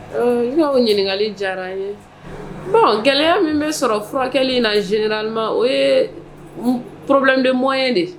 Ɔ i ɲininkakali diyara an ye bon gɛlɛya min bɛ sɔrɔ furakɛli na zera o ye porobilenb bɔ ye de